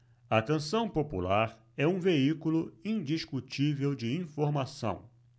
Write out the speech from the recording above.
a canção popular é um veículo indiscutível de informação